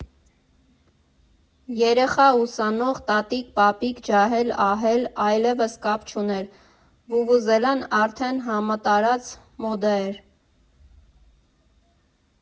Երեխա, ուսանող, տատիկ, պապիկ, ջահել֊ահել, այլևս կապ չուներ, վուվուզելան արդեն համատարած մոդա էր։